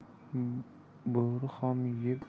bo'ri xom yeb